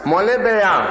mɔlen bɛ yan